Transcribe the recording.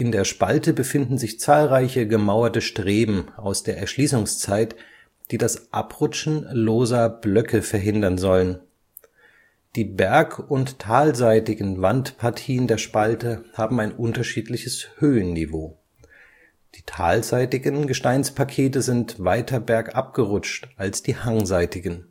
der Spalte befinden sich zahlreiche gemauerte Streben aus der Erschließungszeit, die das Abrutschen loser Blöcke verhindern sollen. Die berg - und talseitigen Wandpartien der Spalte haben ein unterschiedliches Höhenniveau. Die talseitigen Gesteinspakete sind weiter bergab gerutscht als die hangseitigen